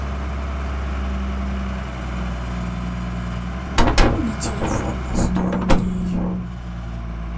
пополни телефон на сто рублей